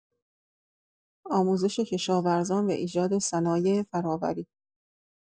آموزش کشاورزان و ایجاد صنایع فرآوری